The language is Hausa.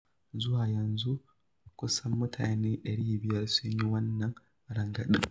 Zuwa yanzu, kusan mutane 500 sun yi wannan rangadin.